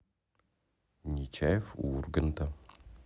нечаев у урганта